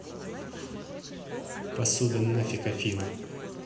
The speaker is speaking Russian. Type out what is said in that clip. посуда нафиг афина